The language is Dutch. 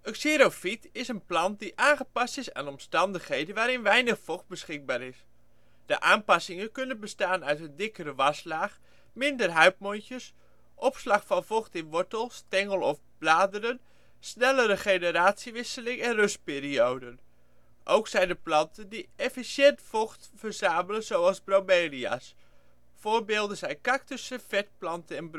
xerofiet is een plant die aangepast is aan omstandigheden waarin weinig vocht beschikbaar is. De aanpassingen kunnen bestaan uit een dikkere waslaag, minder huidmondjes, opslag van vocht in wortel, stengel of bladdelen, snelle generatiewisseling en rustperioden. Ook zijn er planten die efficiënt vocht verzamelen zoals bromelia 's. Voorbeelden: Cactussen Vetplanten